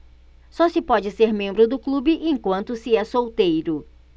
só se pode ser membro do clube enquanto se é solteiro